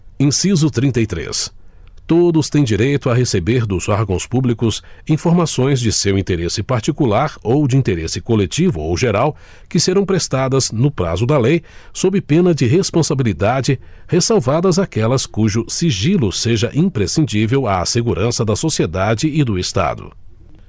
inciso trinta e três todos têm direito a receber dos órgãos públicos informações de seu interesse particular ou de interesse coletivo ou geral que serão prestadas no prazo da lei sob pena de responsabilidade ressalvadas aquelas cujo sigilo seja imprescindível à segurança da sociedade e do estado